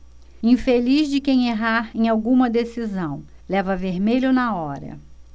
infeliz de quem errar em alguma decisão leva vermelho na hora